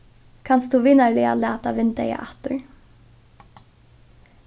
kanst tú vinarliga lata vindeygað aftur